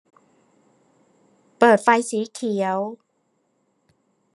เปิดไฟสีเขียว